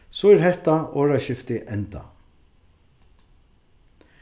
so er hetta orðaskiftið endað